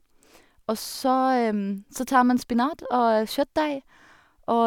Og så så tar man spinat og kjøttdeig og og, ja, varmer tilbereder det.